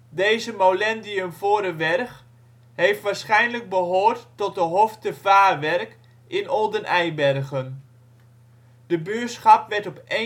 Deze " molendium Vorewerch " heeft waarschijnlijk behoord tot de hof te Vaarwerk in Olden Eibergen. De buurschap werd op 1 juni 1927